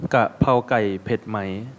กะเพราไก่เผ็ดไหม